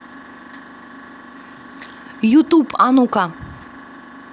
ютуб а ну ка